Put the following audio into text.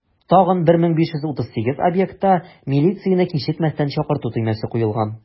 Тагын 1538 объектта милицияне кичекмәстән чакырту төймәсе куелган.